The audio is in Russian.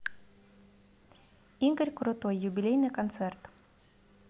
игорь крутой юбилейный концерт